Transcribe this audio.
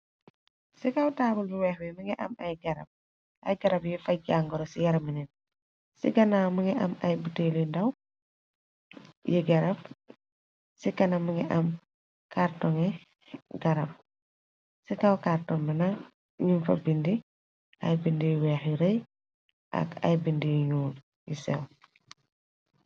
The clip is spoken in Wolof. Ci kaw taabul bu weeh bi mungi am ay garab, ay garab yi fatch jàngoro ci yaramu nit. Ci ganaaw mungi am ay buteel yu ndaw yi garab. Ci kanam mungi am carton ngi garab. Ci kaw carton bi nak nung fa bindi ay bindi yu weeh yu rëy ak ay bindi yu ñuul yu sëw.